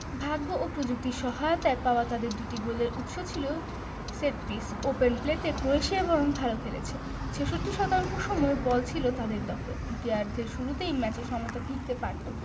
ভাগ্য ও প্রযুক্তির সহায়তায় পাওয়া তাদের দুটি গোলের উৎস ছিল সেটপিস ওপেন প্লেতে ক্রোয়েশিয়াই বরং ভালো খেলেছে ৬৬ শতাংশ সময় বল ছিল তাদের দখলে দ্বিতীয়ার্ধের শুরুতেই ম্যাচে সমতা ফিরতে পারত